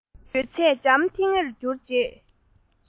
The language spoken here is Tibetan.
ཡོད ཚད འཇམ ཐིང ངེར གྱུར རྗེས